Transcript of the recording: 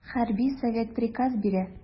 Хәрби совет приказ бирә.